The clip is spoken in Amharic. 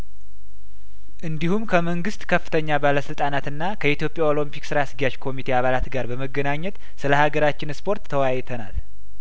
እንዲሁም ከመንግስት ከፍተኛ ባለስልጣናትና ከኢትዮጵያ ኦሎምፒክ ስራ አስኪያጅ ኮሚቴ አባላት ጋር በመገናኘት ስለሀገራችን ስፖርት ተወያይተናል